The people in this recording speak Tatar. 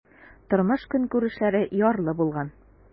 Тормыш-көнкүрешләре ярлы булган.